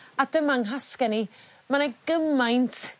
A dyma'n nghasgen i ma' 'ne gymaint